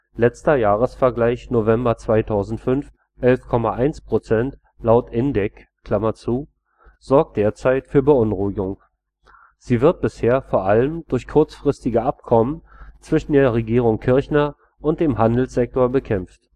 letzter Jahresvergleich November 2005: 11,1 % laut INDEC), sorgt derzeit für Beunruhigung. Sie wird bisher vor allem durch kurzfristige Abkommen zwischen der Regierung Kirchner und dem Handelssektor bekämpft